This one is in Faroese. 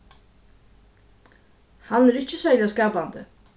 hann er ikki serliga skapandi